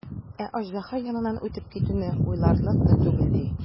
Ә аждаһа яныннан үтеп китүне уйларлык та түгел, ди.